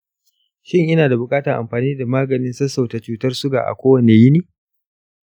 shin ina da buƙatar amfani da maganin sassauta cutar suga a kowane wuni?